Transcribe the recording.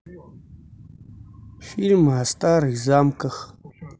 фильмы о старых замках